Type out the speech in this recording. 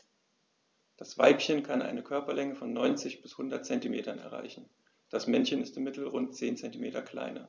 Das Weibchen kann eine Körperlänge von 90-100 cm erreichen; das Männchen ist im Mittel rund 10 cm kleiner.